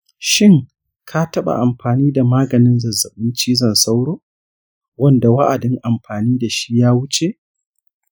shin ka taɓa amfani da maganin zazzabin cizon sauro wanda wa'adin amfani da shi ya wuce?